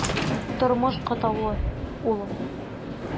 Тормыш катлаулы, улым.